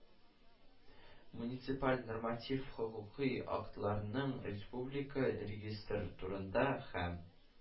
“муниципаль норматив хокукый актларның республика регистры турында” һәм